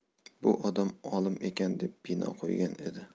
bu odam olim ekan deb bino qo'ygan edi